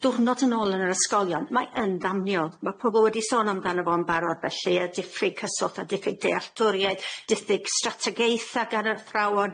diwrnod yn ôl yn yr ysgolion mae yn ddamniol, ma' pobol wedi sôn amdano fo'n barod felly y diffyg cyswllt a diffyg dealltwriaeth, diffyg strategaethe gan yr athrawon.